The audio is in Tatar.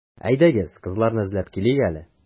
Әйдәгез, кызларны эзләп килик әле.